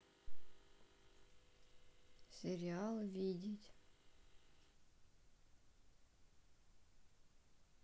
сериал видеть